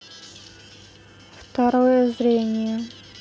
второе зрение